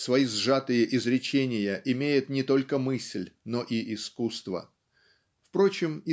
свои сжатые изречения имеет не только мысль но и искусство. Впрочем